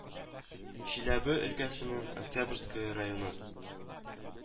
Чиләбе өлкәсенең Октябрьское районы